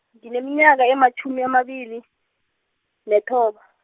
ngineminyaka ematjhumi amabili, nethoba.